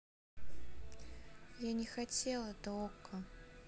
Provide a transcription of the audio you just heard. я не хотел это okko